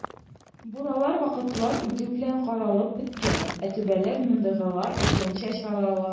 Буралар вакытлар үтү белән каралып беткән, ә түбәләр, мондагылар әйткәнчә, "чаларган".